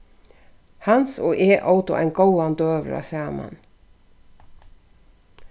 hans og eg ótu ein góðan døgurða saman